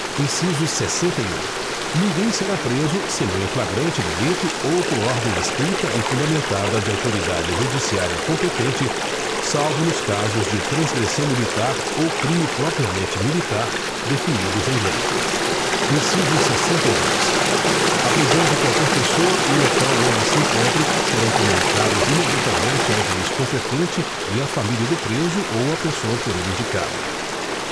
inciso sessenta e um ninguém será preso senão em flagrante delito ou por ordem escrita e fundamentada de autoridade judiciária competente salvo nos casos de transgressão militar ou crime propriamente militar definidos em lei inciso sessenta e dois a prisão de qualquer pessoa e o local onde se encontre serão comunicados imediatamente ao juiz competente e à família do preso ou à pessoa por ele indicada